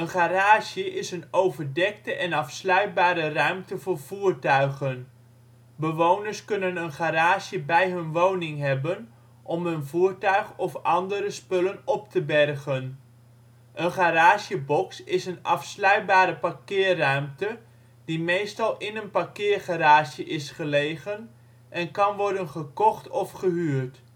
garage is een overdekte en afsluitbare ruimte voor voertuigen. Bewoners kunnen een garage bij hun woning hebben om hun voertuig of andere spullen op te bergen. Een garagebox is een afsluitbare parkeerruimte die meestal in een parkeergarage is gelegen en kan worden gekocht of gehuurd